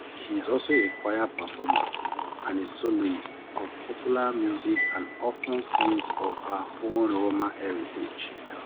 She is also a choir performer and a soloist of popular music and often sings of her own Roma heritage.